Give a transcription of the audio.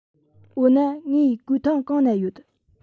འོ ན ངའི གོས ཐུང གང ན ཡོད